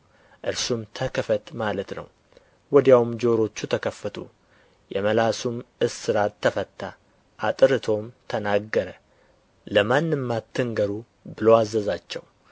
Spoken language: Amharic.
እርሱም ተከፈት ማለት ነው ወዲያውም ጆሮቹ ተከፈቱ የመላሱም እስራት ተፈታ አጥርቶም ተናገረ ለማንም አትንገሩ ብሎ አዘዛቸው